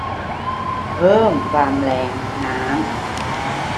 เพิ่มความแรงน้ำ